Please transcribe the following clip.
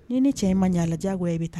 Ni ni cɛ in ma ɲɛla diyago e bɛ taa